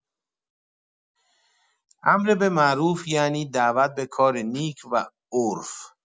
امر به معروف یعنی دعوت به کار نیک و عرف.